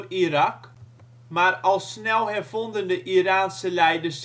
Irak, maar al snel hervonden de Iraanse leiders